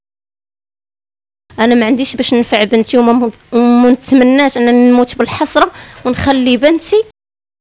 انا ما عنديش نفع بنتهم موت بالحسره وانت خلي بنت